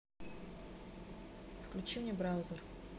включи мне браузер